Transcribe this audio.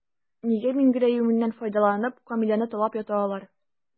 Нигә миңгерәюеннән файдаланып, Камиләне талап ята алар?